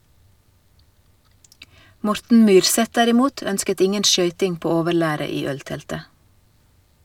Morten Myrseth derimot, ønsket ingen skøyting på overlæret i ølteltet.